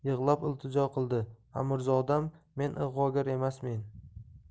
yig'lab iltijo qildi amirzodam men ig'vogar emasmen